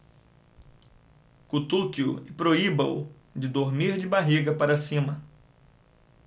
cutuque-o e proíba-o de dormir de barriga para cima